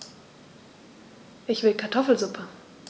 Ich will Kartoffelsuppe.